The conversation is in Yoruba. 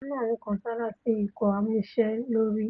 Ẹ̀ka náà ńkan sáará sí ikọ̀ amúṣẹ́ṣe lóri